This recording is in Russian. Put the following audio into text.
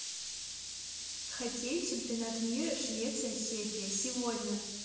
хоккей чемпионат мира швеция чехия сегодня